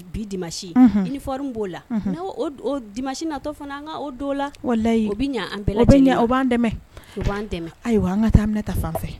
Bi dimanche uniforme b'o la dimanche nata fana an ka o don o la, walahi, o bɛ ɲɛ an o b'an dɛmɛ, ayiwa an ka taa Aminata fan fɛ